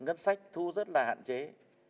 ngân sách thu rất là hạn chế